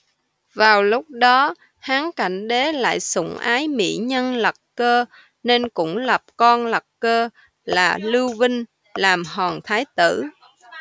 vào lúc đó hán cảnh đế lại sủng ái mỹ nhân lật cơ nên cũng lập con lật cơ là lưu vinh làm hoàng thái tử